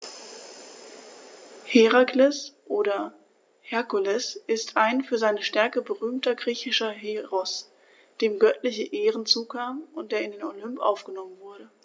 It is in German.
Herakles oder Herkules ist ein für seine Stärke berühmter griechischer Heros, dem göttliche Ehren zukamen und der in den Olymp aufgenommen wurde.